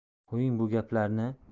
qo'ying bu gaplarni